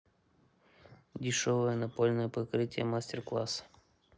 дешевое напольное покрытие мастер класс